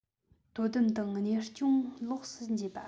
དོ དམ དང གཉེར སྐྱོང ལོགས སུ འབྱེད པ